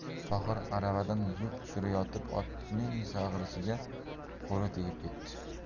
tohir aravadan yuk tushirayotib otning sag'risiga qo'li tegib ketdi